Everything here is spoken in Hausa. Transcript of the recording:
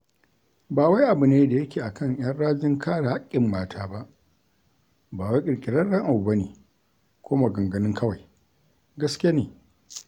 Ba wai abu ne da yake a kan 'yan rajin kare haƙƙin mata ba, ba wai ƙirƙirarren abu ba ne ko maganganun kawai: GASKE NE!